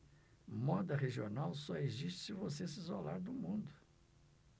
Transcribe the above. moda regional só existe se você se isolar do mundo